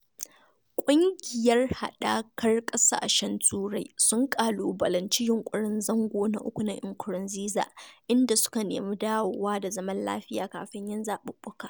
ƙungiyar haɗakar ƙasashen Turai sun ƙalubalanci yunƙurin zango na uku na Nkurunziza, inda suka nemi dawo da zaman lafiya kafin yin zaɓuɓɓuka.